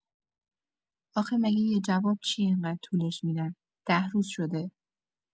آخه مگه یه جواب چیه اینقدر طولش می‌دن ۱۰ روز شده